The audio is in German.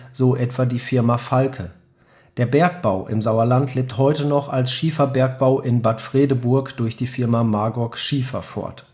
so etwa die Firma Falke. Der Bergbau im Sauerland lebt heute noch als Schieferbergbau in Bad Fredeburg (Magog-Schiefer) fort